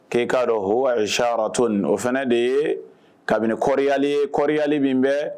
K'e k'a dɔn h siyanrotoon o fana de ye kabiniyali ye koɔrili min bɛɛ